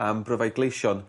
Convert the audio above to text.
am bryfaid gleision